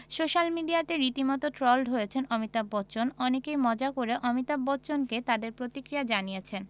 social মিডিয়ায় রীতিমতো trolled হয়েছেন অমিতাভ বচ্চন অনেকেই মজা করে অমিতাভ বচ্চনকে তাদের প্রতিক্রিয়া জানিয়েছেন